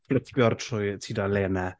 Fflipio'r trwy tudalenau.